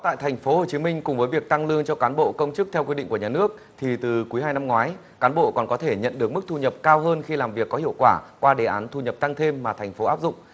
tại thành phố hồ chí minh cùng với việc tăng lương cho cán bộ công chức theo quyết định của nhà nước thì từ quý hai năm ngoái cán bộ còn có thể nhận được mức thu nhập cao hơn khi làm việc có hiệu quả qua đề án thu nhập tăng thêm mà thành phố áp dụng